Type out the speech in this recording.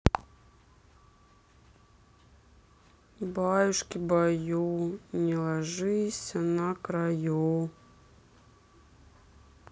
баюшки баю не ложися на краю